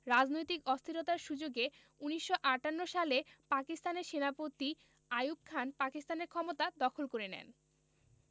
রাজনৈতিক অস্থিরতার সুযোগে ১৯৫৮ সালে পাকিস্তানের সেনাপতি আইয়ুব খান পাকিস্তানের ক্ষমতা দখল করে নেন